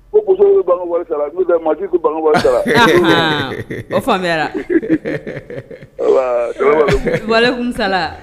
Ko bɛ sara n'u ma ko sara o faamuya kun sa